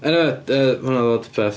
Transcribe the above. Eniwe, yy hwnna oedd Odpeth.